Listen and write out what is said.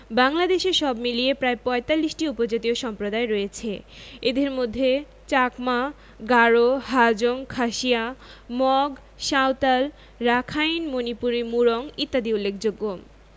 বাংলাদেশে সব মিলিয়ে প্রায় ৪৫টি উপজাতীয় সম্প্রদায় রয়েছে এদের মধ্যে চাকমা গারো হাজং খাসিয়া মগ সাঁওতাল রাখাইন মণিপুরী মুরং ইত্যাদি উল্লেখযোগ্য